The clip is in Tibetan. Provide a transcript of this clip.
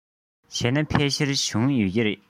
བྱས ན ཕལ ཆེར བྱུང ཡོད ཀྱི རེད